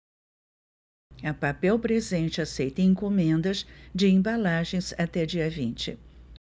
a papel presente aceita encomendas de embalagens até dia vinte